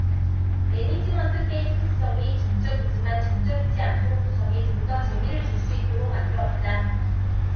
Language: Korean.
매니지먼트 게임 특성이 정적이지만 정적이지 않도록 구성해 좀 더 재미를 줄 수 있도록 만들었다